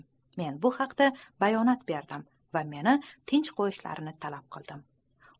men bu haqda bayonot berdim va meni tinch qo'yishlarini talab qildim